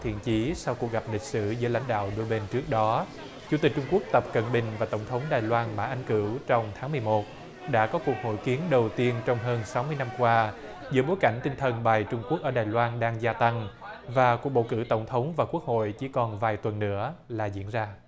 thiện chí sau cuộc gặp lịch sử giữa lãnh đạo đôi bên trước đó chủ tịch trung quốc tập cận bình và tổng thống đài loan mã anh cửu trong tháng mười một đã có cuộc hội kiến đầu tiên trong hơn sáu mươi năm qua giữa bối cảnh tinh thần bài trung quốc ở đài loan đang gia tăng và cuộc bầu cử tổng thống và quốc hội chỉ còn vài tuần nữa là diễn ra